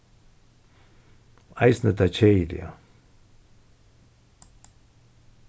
eisini tað keðiliga